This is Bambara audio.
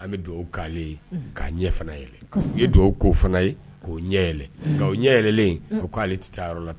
An bɛ dugawu k'ale ye k'ale, unhun, ɲɛ fana yɛlɛ, u ye dugawu k'o fana ye k'o ɲɛ yɛlɛ o ɲɛ yɛlɛlen ko k'ale tɛ taa yɔrɔ la!